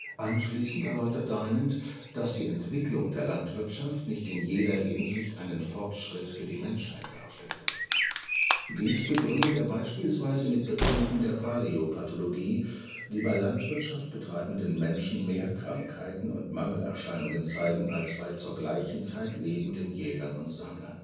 Anschließend erläutert Diamond, dass die Entwicklung der Landwirtschaft nicht in jeder Hinsicht einen Fortschritt für die Menschheit darstellte. Dies begründet er beispielsweise mit Befunden der Paläopathologie, die bei Landwirtschaft betreibenden Menschen mehr Krankheiten und Mangelerscheinungen zeigen als bei zur gleichen Zeit lebenden Jägern und Sammlern